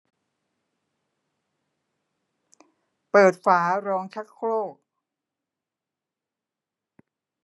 เปิดฝารองชักโครก